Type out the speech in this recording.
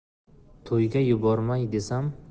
to'yga yubormay desam